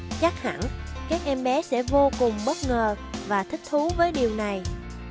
chắc hẳn các em bé sẽ vô cùng bất ngờ và thích thú với điều này